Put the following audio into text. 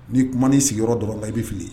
N'i kuma'i sigiyɔrɔ dɔrɔn kan i b bɛi fili